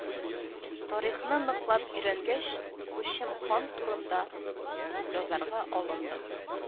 Тарихны ныклап өйрәнгәч, Күчем хан турында язарга алындым